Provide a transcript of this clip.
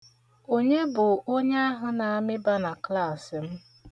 Onye bụ onye ahụ na-amịba na klass m?